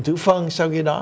phân sau khi đó